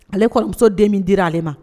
Ale kɔrɔmuso denmi dira ale ma